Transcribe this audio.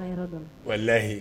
Walayi